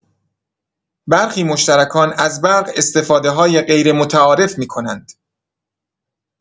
برخی مشترکان از برق استفاده‌های غیرمتعارف می‌کنند.